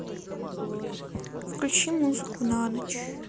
включи музыку на ночь